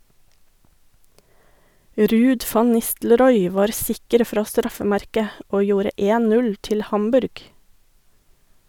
Ruud van Nistelrooy var sikker fra straffemerket og gjorde 1-0 til Hamburg.